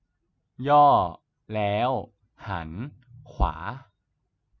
ย่อแล้้วหันขวา